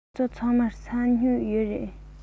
ཁྱེད ཚོ ཚང མར ས སྨྱུག ཡོད རེད